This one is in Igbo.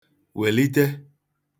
wèlite